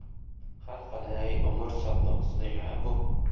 har qalay umr savdosi ya bu